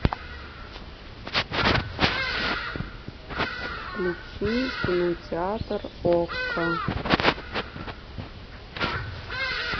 включи кинотеатр окко